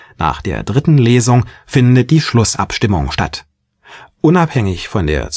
Nach der dritten Lesung findet die Schlussabstimmung statt. Unabhängig von der